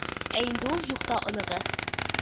Ә инде ул юкта оныгы